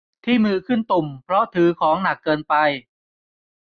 ที่มือขึ้นตุ่มเพราะถือของหนักเกินไป